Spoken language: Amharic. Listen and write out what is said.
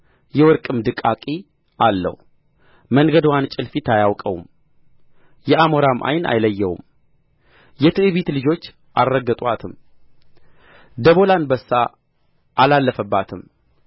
የወርቅም ድቃቂ አለው መንገድዋን ጭልፊት አያውቀውም የአሞራም ዓይን አላየውም የትዕቢት ልጆች አልረገጡአትም ደቦል አንበሳ አላለፈባትም